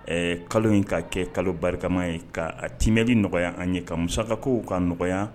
Ɛɛ kalo in ka kɛ kalo barikama ye ka a timɛli nɔgɔya an ye ka musakakaw ka nɔgɔya